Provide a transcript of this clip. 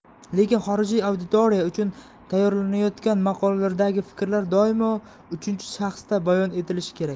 lekin xorijiy auditoriya uchun tayyorlanayotgan maqolalardagi fikrlar doimo uchinchi shaxsda bayon etilishi kerak